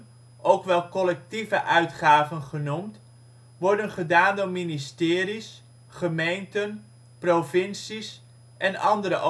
collectieve uitgaven genoemd, worden gedaan door ministeries, gemeenten, provincies en andere